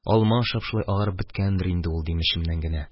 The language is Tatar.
Алма ашап шулай агарып беткәндер инде ул, дим эчемнән генә.